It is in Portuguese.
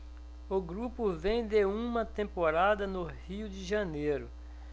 o grupo vem de uma temporada no rio de janeiro